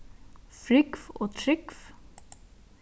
frúgv og trúgv